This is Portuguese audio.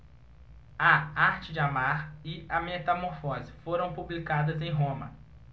a arte de amar e a metamorfose foram publicadas em roma